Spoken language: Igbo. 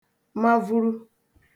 mavuru